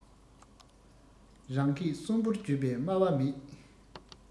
རང སྐད སྲོང པོར བརྗོད པའི སྨྲ བ མེད